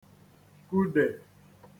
kudè